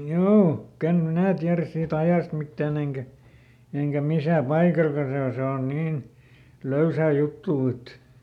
juu ikänä minä tiedä siitä ajasta mitään enkä enkä missä paikallakaan se on se on niin löysää juttua että